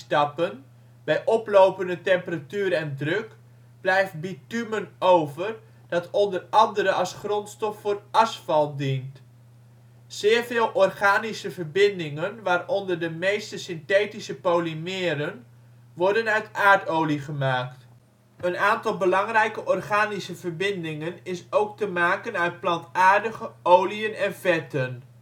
oplopende temperatuur en druk, blijft bitumen over dat onder andere als grondstof voor asfalt dient. Zeer veel organische verbindingen waaronder de meeste synthetische polymeren worden uit aardolie gemaakt. Een aantal belangrijke organische verbindingen zijn ook te maken uit plantaardige olien en vetten